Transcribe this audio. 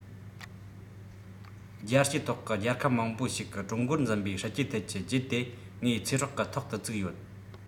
རྒྱལ སྤྱིའི ཐོག གི རྒྱལ ཁབ མང པོ ཞིག གི ཀྲུང གོར འཛིན པའི སྲིད ཇུས ཐད ཀྱི རྒྱན དེ ངའི ཚེ སྲོག གི ཐོག ཏུ བཙུགས ཡོད